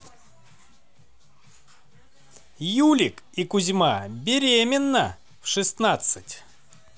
юлик и кузьма беременна в шестнадцать